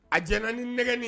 A j ni nɛgɛni